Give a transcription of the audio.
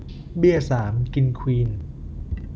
เบี้ยสามกินควีน